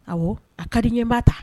Ɔwɔ a ka di n ye n b'a ta